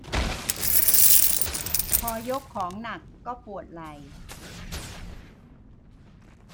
พอยกของหนักก็ปวดไหล่